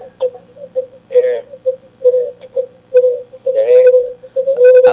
kiire jaam jaam hiiri toon